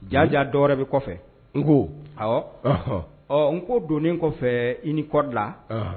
Jaaja dɔw wɛrɛ bɛ kɔfɛ n ko ɔ n ko donnen kɔfɛ i ni kɔda